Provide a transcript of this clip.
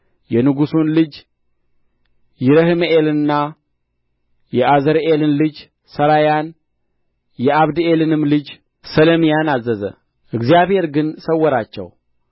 የንጉሡን ልጅ ይረሕምኤልንና የዓዝርኤልን ልጅ ሠራያን የዓብድኤልንም ልጅ ሰሌምያን አዘዘ እግዚአብሔር ግን ሰወራቸው